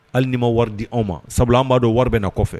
Hali ni ma wari di anw ma sabula an b'a dɔn wari bɛ na kɔfɛ